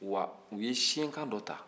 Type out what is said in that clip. wa u ye siɲɛkan dɔ ta